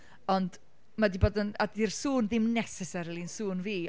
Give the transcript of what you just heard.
Ond, ma’ 'di bod yn... a 'di’r sŵn ddim necessarily'n sŵn fi.